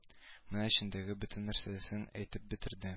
Менә эчендәге бөтен нәрсәсен әйтеп бетерде